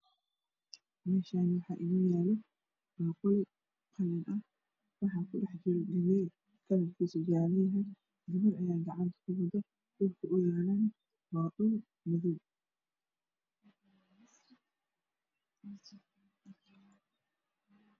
Meeshaan waxaa yaalo baaquli qalin ah waxaa kujiro galay jaalo ah gabar ayaa gacanta ku haysa. Dhulkana waa madow.